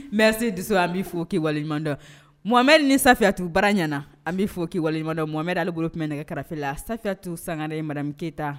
N bɛ se dusu an bɛ fɔ waliɲumandɔn momɛ ni sayatu bara ɲɛna an bɛ fɔ waliɲumandɔ momɛd deli bolo tun bɛ nɛgɛ karafe layatu sanga maramikeyita